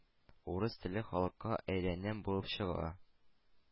«урыс телле халык»ка әйләнәм булып чыга.